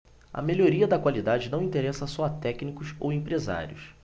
a melhoria da qualidade não interessa só a técnicos ou empresários